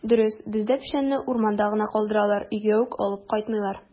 Дөрес, бездә печәнне урманда гына калдыралар, өйгә үк алып кайтмыйлар.